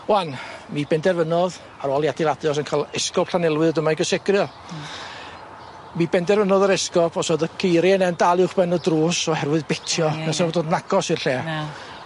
'Wan mi benderfynodd ar ôl i adeiladu fysa'n ca'l esgob Llanelwy dod yma i gysegri o. Mi benderfynodd yr esgob os o'dd y geirie 'ne dal uwchben y drws oherwydd betio... Ie. ...ne sa fo'n dod yn agos i'r lle. Na.